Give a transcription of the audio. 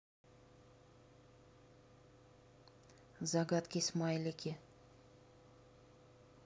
загадки смайлики